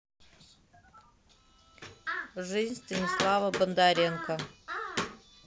жизнь станислава бондаренко